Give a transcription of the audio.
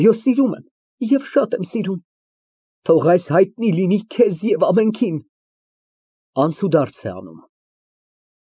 Այո, սիրում եմ և շատ եմ սիրում, թող այս հայտնի լինի քեզ և ամենքին։ (Անցուդարձ է անում)։